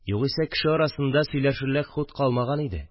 Югыйсә, кеше арасында сөйләшерлек хут калмаган иде